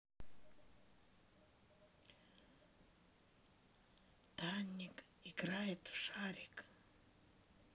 даник играет в шарик